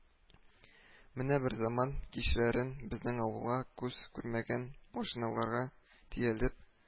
Менә берзаман кичләрен безнең авылга, күз күрмәгән машиналарга төялеп